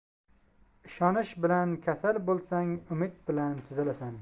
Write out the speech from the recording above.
ishonish bilan kasal bo'lsang umid bilan tuzalasan